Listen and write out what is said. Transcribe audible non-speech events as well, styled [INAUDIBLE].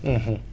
[HESITATION] [HESITATION]